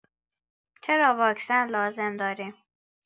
چرا واکسن لازم داریم؟